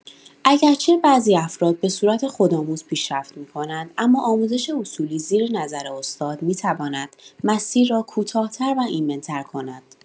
اگرچه بعضی افراد به‌صورت خودآموز پیشرفت می‌کنند، اما آموزش اصولی زیر نظر استاد می‌تواند مسیر را کوتاه‌تر و ایمن‌تر کند.